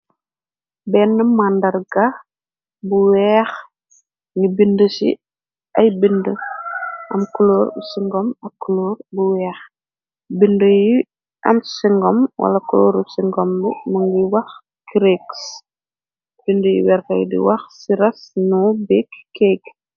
Benn màndarga bu weex ngi bind ci ay bind am cloor singom ak cloor bu weex. bind yu am singom wala clooru singomb më ngi wax criegs bind yi werfay di wax ci rasnu bie kage.